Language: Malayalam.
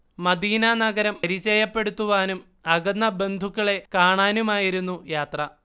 മദീന നഗരം പരിചയപ്പെടുത്തുവാനും അകന്ന ബന്ധുക്കളെ കാണാനുമായിരുന്നു യാത്ര